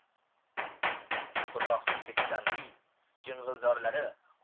qurg'oqchilikka chidamli jing'ilzorlari